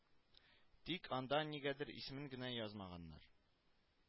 Тик анда нигәдер исемен генә язмаганнар